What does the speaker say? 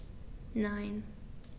Nein.